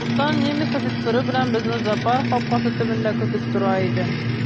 Солтан немец офицеры белән безне зоопарк капкасы төбендә көтеп тора иде.